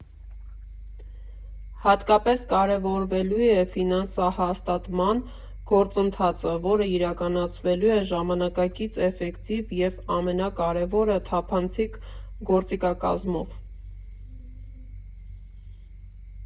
Հատկապես կարևորվելու է ֆինանսահաստատման գործընթացը, որը իրականացվելու է ժամանակակից, էֆեկտիվ և ամենակարևորը՝ թափանցիկ գործիքակազմով։